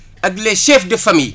ak les chefs de famille